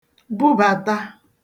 bubàta